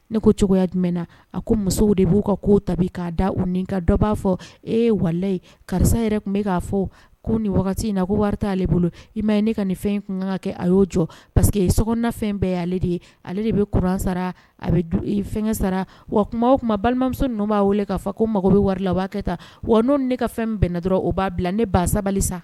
Ne ko cogoya jumɛnɛna a ko musow de b'u ka ko tabi k'a da u nin ka dɔ b'a fɔ e ye wali ye karisa yɛrɛ tun bɛ k'a fɔ ko ni wagati in na ko wari t'ale bolo i ma ye ne ka nin fɛn kan ka kɛ a y'o jɔ paseke ye sofɛn bɛɛ ye ale de ye ale de bɛ kuran sara a bɛ fɛn sara wa tuma tuma balimamuso n b'a wele k'a fɔ ko mago bɛ warila u b'a kɛ taa wa n' ne ka fɛn bɛnna dɔrɔn o b'a bila ne ba sabali sa